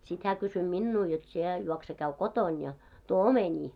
sitten hän kysyi minua jotta sinä juokse käy kotona ja tuo omenia